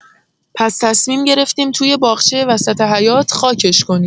پس تصمیم گرفتیم توی باغچه وسط حیاط، خاکش کنیم.